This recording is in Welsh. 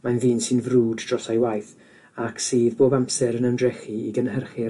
Mae'n ddyn sy'n frwd dros ei waith ac sy bob amser yn ymdrechu i gynhyrchu'r